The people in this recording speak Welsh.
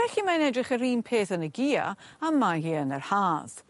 a felly mae'n edrych yr un peth yn y Gia a ma' hi yn yr Haf.